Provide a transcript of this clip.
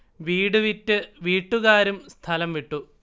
വീട് വിറ്റ് വീട്ടുകാരും സ്ഥലം വിട്ടു